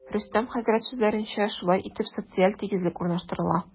Рөстәм хәзрәт сүзләренчә, шулай итеп, социаль тигезлек урнаштырыла.